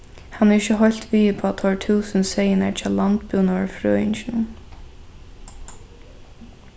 hann er ikki heilt við upp á teir túsund seyðirnar hjá landbúnaðarfrøðinginum